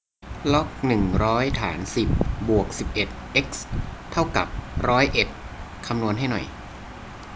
ล็อกหนึ่งร้อยฐานสิบบวกสิบเอ็ดเอ็กซ์เท่ากับร้อยเอ็ดคำนวณให้หน่อย